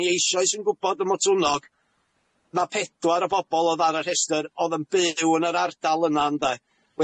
ni eishoes yn gwbod ym Motwnnog na pedwar o bobol o'dd ar y rhestyr o'dd yn byw yn yr ardal yna ynde?